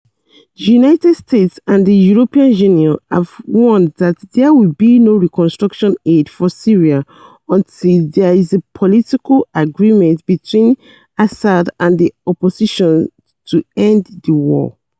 The United States and the European Union have warned that there will be no reconstruction aid for Syria until there is a political agreement between Assad and the opposition to end the war.